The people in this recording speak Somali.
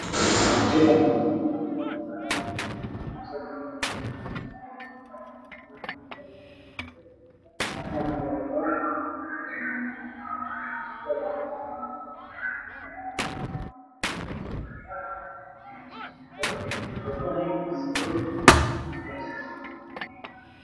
meeshaan waxaa fadhida gabar wadata xijaab jaalo ah waxaa dul taagan maamo qabto xijaab